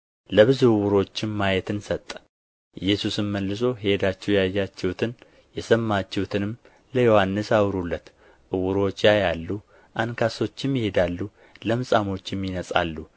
ለብዙ ዕውሮችም ማየትን ሰጠ ኢየሱስም መልሶ ሄዳችሁ ያያችሁትን የሰማችሁትንም ለዮሐንስ አውሩለት ዕውሮች ያያሉ አንካሶችም ይሄዳሉ ለምጻሞችም ይነጻሉ